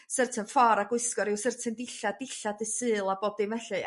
certain ffor a gwisgo ryw certain dillad, dillad y Sul a bob dim felly.